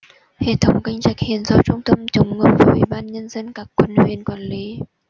hệ thống kênh rạch hiện do trung tâm chống ngập và ủy ban nhân dân các quận huyện quản lý